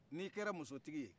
n'i kɛra musotigi ye